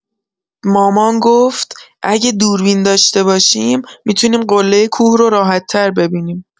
مامان گفت: اگه دوربین داشته باشیم، می‌تونیم قله کوه رو راحت‌تر ببینیم.